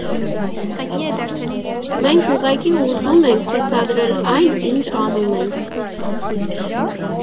Մենք ուղղակի ուզում ենք ցուցադրել այն, ինչ անում ենք.